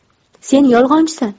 sen yolg'onchisan